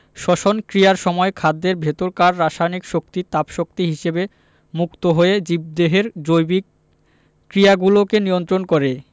শ্বসন ক্রিয়ার সময় খাদ্যের ভেতরকার রাসায়নিক শক্তি তাপ শক্তি হিসেবে মুক্ত হয়ে জীবদেহের জৈবিক ক্রিয়াগুলোকে নিয়ন্ত্রন করে